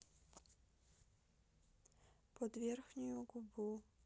под верхнюю губу